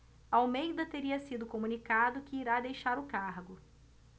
almeida teria sido comunicado que irá deixar o cargo